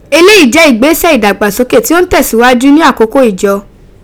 Eleyii je igbese idagbasoke ti o n tesiwaju ni akoko Ijo,